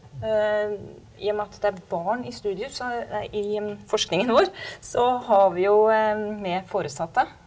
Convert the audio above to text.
i og med at det er barn i nei i forskningen vår, så har vi jo med foresatte.